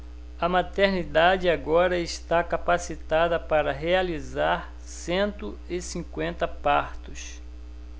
a maternidade agora está capacitada para realizar cento e cinquenta partos